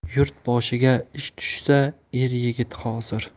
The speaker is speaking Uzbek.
yurt boshiga ish tushsa er yigit hozir